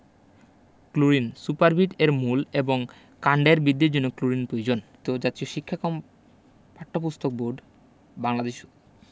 chlorine sugar beet এর মূল এবং কাণ্ডের বিদ্ধির জন্য ক্লোরিন প্রয়োজন জাতীয় শিক্ষাকম ওপাঠ্যপুস্তক বোর্ড বাংলাদেশ